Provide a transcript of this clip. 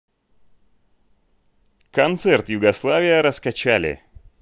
концерт югославия раскачали